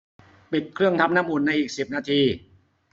ปิดเครื่องทำน้ำอุ่นในอีกสิบนาที